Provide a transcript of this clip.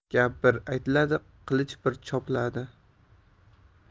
gap bir aytiladi qilich bir chopiladi